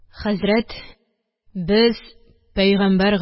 Хәзрәт: – Без – пәйгамбәр